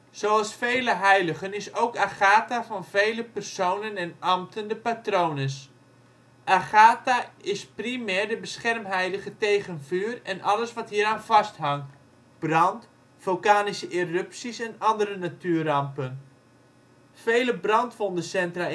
Zoals vele heiligen is ook Agatha van vele personen en ambten de patrones. Agatha is primair de beschermheilige tegen vuur en alles wat hieraan vasthangt: brand, vulkanische erupties en andere natuurrampen. Vele brandwondencentra